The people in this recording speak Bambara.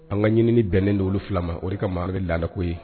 An ka ɲiniini bɛnnen de olu filama o ka maa bɛ dako ye